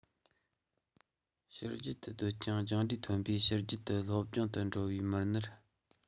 ཕྱི རྒྱལ དུ སྡོད ཅིང སྦྱངས འབྲས ཐོན པའི ཕྱི རྒྱལ དུ སློབ སྦྱོང དུ འགྲོ བའི མི སྣར